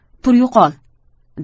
tur yo'qol